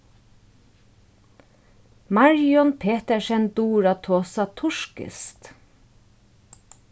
marjun petersen dugir at tosa turkiskt